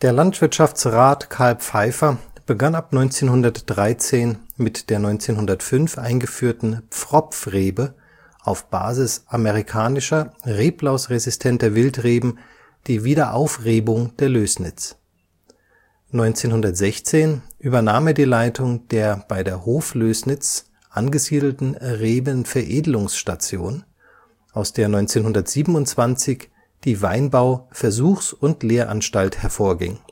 Landwirtschaftsrat Carl Pfeiffer begann ab 1913 mit der 1905 eingeführten Pfropfrebe auf Basis amerikanischer reblausresistenter Wildreben die Wiederaufrebung der Lößnitz; 1916 übernahm er die Leitung der bei der Hoflößnitz angesiedelten Rebenveredlungsstation, aus der 1927 die Weinbau-Versuchs - und Lehranstalt hervorging